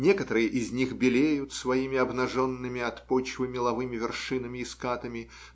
некоторые из них белеют своими обнаженными от почвы меловыми вершинами и скатами